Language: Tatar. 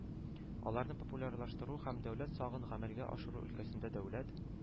Аларны популярлаштыру һәм дәүләт сагын гамәлгә ашыру өлкәсендә дәүләт